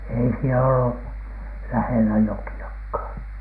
ei siellä ole lähellä jokeakaan